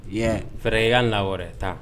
Ɛɛ fɛrɛɛrɛ y' la wɛrɛɛrɛ tan